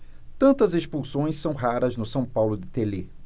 tantas expulsões são raras no são paulo de telê